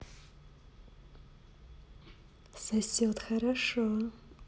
сосет хорошо